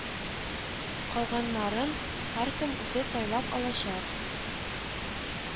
Калганнарын һәркем үзе сайлап алачак